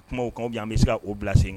O kuma bɛ an bɛ se k' bila sen